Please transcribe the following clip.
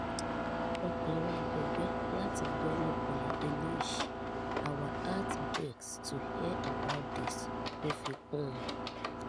"Ọkàn wa gbọgbẹ́ láti gbọ́ nípa eléyìí,” Our heart breaks to hear about this," Ó fi kú un.